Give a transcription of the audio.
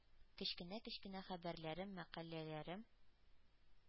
Кечкенә-кечкенә хәбәрләрем, мәкаләләрем